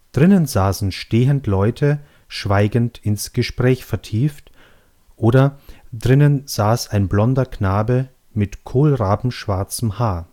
Drinnen saßen stehend Leute, schweigend ins Gespräch vertieft oder Drinnen saß ein blonder Knabe Mit kohlrabenschwarzem Haar